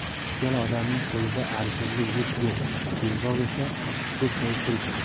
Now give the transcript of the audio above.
ikkala odamning qo'lida arzirli yuk yo'q belbog' esa do'mpayib turibdi